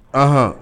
Unhɔn